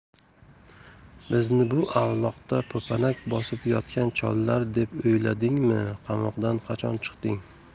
bizni bu avloqda po'panak bosib yotgan chollar deb o'yladingmi qamoqdan qachon chiqding